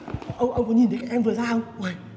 ông ông có nhìn thấy cái em vừa ra không uầy